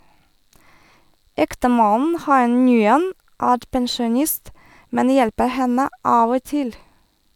Ektemannen Hai Nguyen er pensjonist, men hjelper henne av og til.